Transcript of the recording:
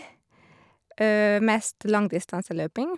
Mest langdistanseløping.